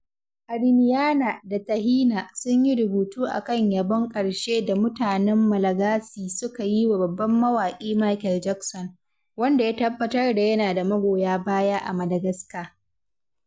Ariniana da Tahina sun yi rubutu a kan yabon ƙarshe da mutanen Malagasy suka yi wa babban mawaƙi Michael Jackson, wanda ya tabbatar da yana da magoya baya a Madagascar.